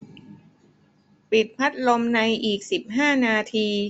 ปิดพัดลมในอีกสิบห้านาที